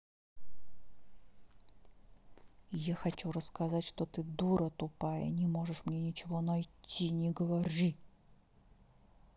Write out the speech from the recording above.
я хочу рассказать что ты дура тупая не можешь мне ничего найти не говори